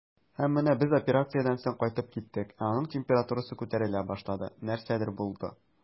Һәм менә без операциядән соң кайтып киттек, ә аның температурасы күтәрелә башлады, нәрсәдер булды.